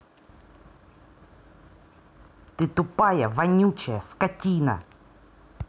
ты тупая вонючая скотина